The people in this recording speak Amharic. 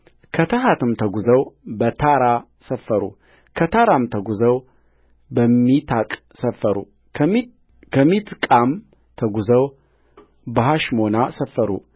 ከታሐትም ተጕዘው በታራ ሰፈሩከታራም ተጕዘው በሚትቃ ሰፈሩከሚትቃም ተጕዘው በሐሽሞና ሰፈሩ